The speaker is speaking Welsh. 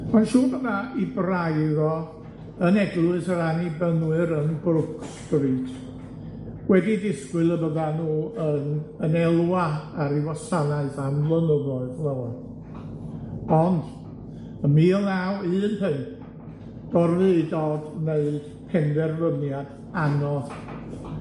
Rwy'n siŵr bo' 'na 'i braidd o yn Eglwys yr Annibynwyr yn Brookes Street wedi disgwyl y byddan nw yn yn elwa ar ei wasanaeth am flynyddoedd fel yna, ond ym mil naw un pump gorfu i Dodd neud penderfyniad anodd.